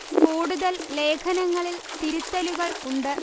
കൂടുതൽ ലേഖനങ്ങളിൽ തിരുത്തലുകൾ ഉണ്ട്